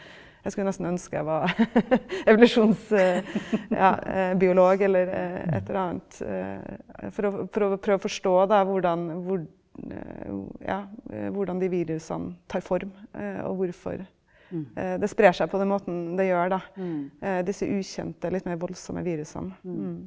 jeg skulle jo nesten ønske jeg var evolusjons ja biolog eller et eller annet for å for å prøve å forstå da hvordan ja hvordan de virusene tar form og hvorfor det sprer seg på den måten det gjør da, disse ukjente litt mer voldsomme virusene ja.